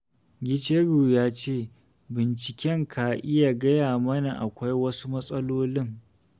Gicheru ya ce,.. Binciken ka iya gaya mana akwai wasu matsalolin''.